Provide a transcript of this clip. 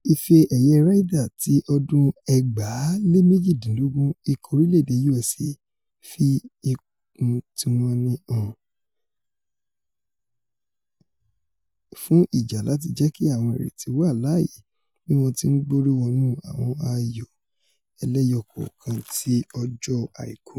Ife-ẹ̀yẹ Ryder tí ọdún 2018 Ikọ̀ orílẹ̀-èdè USA fi ikùn tíwọ́n ní hàn fún ìjà láti jẹ́kí àwọn ìrètí wà láàyè bí wọ́n ti ńgbórí wọnú àwọn ayò ẹlẹ́yọ-kọ̀ọ̀kan ti ọjọ́ Àìkú